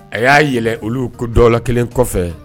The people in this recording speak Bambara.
A y'a yɛlɛ olu ko dɔ la kelen kɔfɛ